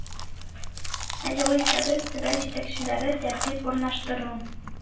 Ә югыйсә без – төбәк җитәкчеләре тәртип урнаштыру